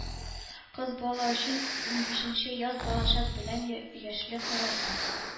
Кыз бала өчен унбишенче яз балачак белән яшьлек арасы.